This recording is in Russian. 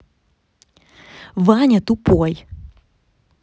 ваня тупой